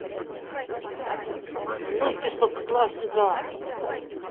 скажи настя чтобы шла сюда